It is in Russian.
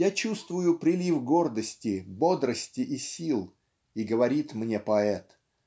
я чувствую прилив гордости бодрости и сил и говорит мне поэт